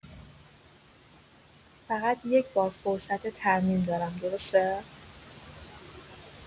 فقط یکبار فرصت ترمیم دارم درسته؟